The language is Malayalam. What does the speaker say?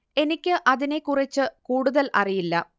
എനിക്ക് അതിനെ കുറിച്ച് കൂടുതൽ അറിയില്ല